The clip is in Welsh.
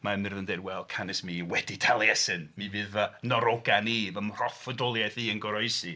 ..mae Myrddin yn dweud wel canys mi wedi Taliesin, mi fydd fy narogan i, fy mhroffwydoliaeth i yn goroesi.